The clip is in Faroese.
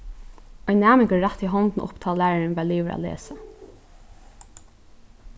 ein næmingur rætti hondina upp tá lærarin var liðugur at lesa